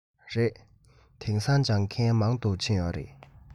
རེད དེང སང སྦྱོང མཁན མང དུ ཕྱིན ཡོད རེད